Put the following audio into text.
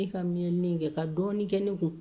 Ne ka mien kɛ ka dɔɔnin kɛ ne kun